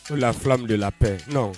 Ko la filaw de la pe nɔo